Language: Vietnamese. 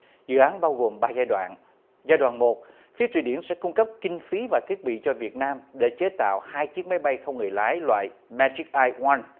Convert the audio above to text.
dự án bao gồm ba giai đoạn giai đoạn một phía thụy điển sẽ cung cấp kinh phí và thiết bị cho việt nam để chế tạo hai chiếc máy bay không người lái loại me tríc ai oăm